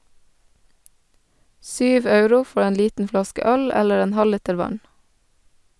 Syv euro for en liten flaske øl eller en halvliter vann.